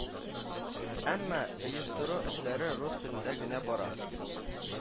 Әмма оештыру эшләре рус телендә генә бара